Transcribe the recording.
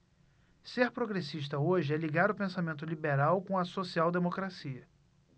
ser progressista hoje é ligar o pensamento liberal com a social democracia